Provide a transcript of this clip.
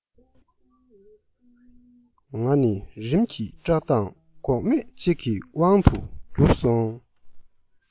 ང ནི རིམ གྱིས སྐྲག དངངས འགོག མེད ཅིག གི དབང དུ གྱུར སོང